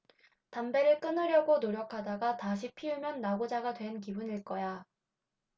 담배를 끊으려고 노력하다가 다시 피우면 낙오자가 된 기분일 거야